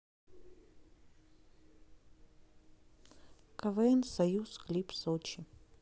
квн союз клип сочи